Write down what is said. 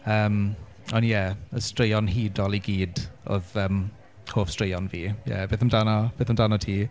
Yym ond ie, y straeon hudol i gyd oedd hoff straeon fi. Ie beth amdano beth amdano ti?